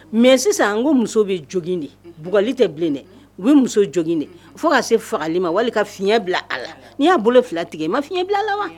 Mais sisan n ko muso bɛ jɔgin de, bugɔli tɛ bilen dɛ, u bɛ muso jɔgin de, fo ka se fagali ma wali ka fiɲɛ bila a la, n'i y'a bolo fila tigɛ i ma fiɲɛ bila a la wa